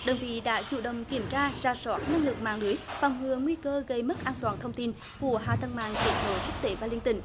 đơn vị đã chủ động kiểm tra rà soát năng lực mạng lưới phòng ngừa nguy cơ gây mất an toàn thông tin của hạ tầng mạng kết nối quốc tế và liên tỉnh